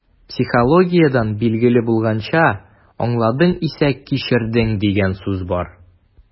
Психологиядән билгеле булганча, «аңладың исә - кичердең» дигән сүз бар.